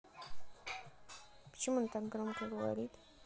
почему она так громко говорит